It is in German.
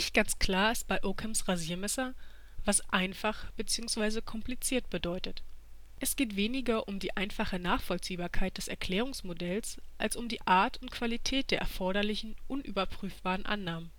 ganz klar ist bei Ockhams Rasiermesser, was einfach bzw. kompliziert bedeutet. Es geht weniger um die einfache Nachvollziehbarkeit des Erklärungsmodells als um die Art und Qualität der erforderlichen unüberprüfbaren Annahmen